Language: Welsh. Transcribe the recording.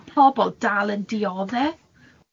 ...ma' pobl dal yn diodde'...